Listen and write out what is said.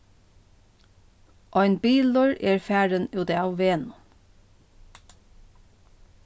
ein bilur er farin útav vegnum